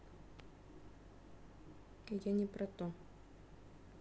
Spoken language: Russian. я не про то